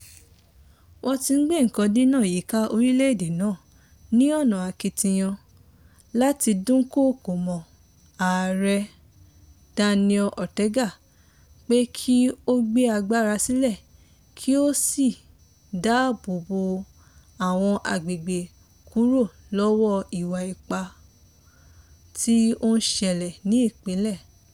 Wọ́n ti ń gbé nǹkan dínà yíká orílẹ̀-èdè náà ni ọ̀nà akitiyan láti dúnkòokò mọ́ Ààrẹ Daniel Ortega pé kí ó gbé agbára sílẹ̀ kí ó sì dáàbòbo àwọn agbègbè kúrò lọ́wọ́ ìwà ipá tí ó ń ṣẹlẹ̀ ní ìpínlẹ̀.